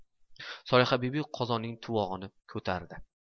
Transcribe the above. solihabibi qozonning tuvog'ini ko'tardi